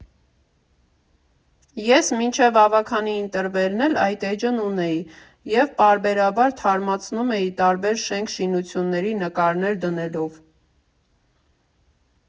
Ես մինչև ավագանի ընտրվելն էլ այդ էջն ունեի և պարբերաբար թարմացնում էի տարբեր շենք֊շինությունների նկարներ դնելով…